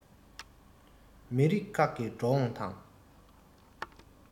མི རིགས ཁག གི འགྲོ འོང དང